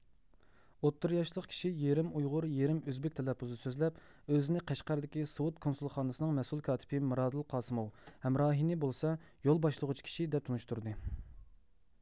ئوتتۇرا ياشلىق كىشى يېرىم ئۇيغۇر يېرىم ئۆزبېك تەلەپپۇزىدا سۆزلەپ ئۆزىنى قەشقەردىكى سوۋېت كونسۇلخانىسىنىڭ مەسئۇل كاتىپى مىرادىل قاسىموۋ ھەمراھىنى بولسا يول باشلىغۇچى كىشى دەپ تونۇشتۇردى